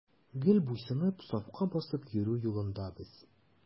Гел буйсынып, сафка басып йөрү юлында без.